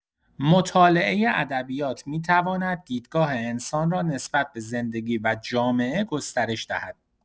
مطالعه ادبیات می‌تواند دیدگاه انسان را نسبت به زندگی و جامعه گسترش دهد.